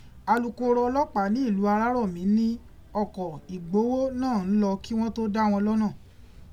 Alukoro ọlọ́pàá ní ìlú Arárọ̀mí ní ọkọ̀ ìgbówó náà ń lọ kí wọ́n tó dá wọn lọ́nà.